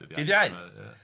Dydd Iau.